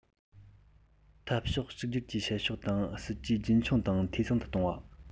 འཐབ ཕྱོགས གཅིག གྱུར གྱི བྱེད ཕྱོགས དང སྲིད ཇུས རྒྱུན འཁྱོངས དང འཐུས ཚང དུ གཏོང བ